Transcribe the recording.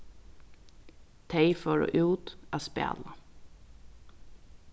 tey fóru út at spæla